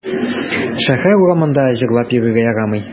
Шәһәр урамында җырлап йөрергә ярамый.